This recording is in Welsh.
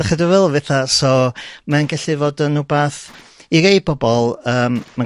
'da ch'od be dwi'n feddwl fatha? So mae'n gallu fod yn r'wbath i rei bobol yym ma'n